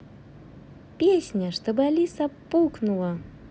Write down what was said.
песня чтобы алиса пукнула